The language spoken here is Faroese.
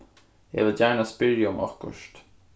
eg vil gjarna spyrja um okkurt